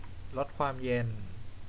ลดความเย็น